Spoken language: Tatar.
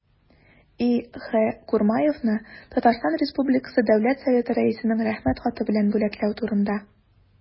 И.Х. Курмаевны Татарстан республикасы дәүләт советы рәисенең рәхмәт хаты белән бүләкләү турында